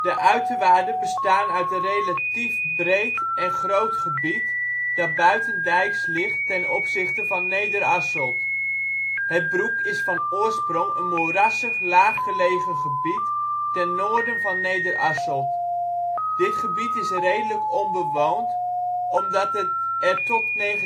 uiterwaarden bestaan uit een relatief breed en groot gebied dat buitendijks ligt ten opzichte van Nederasselt. Het Broek is van oorsprong een moerassig laaggelegen gebied ten noorden van Nederasselt. Dit gebied is redelijk onbewoond omdat het er tot 1926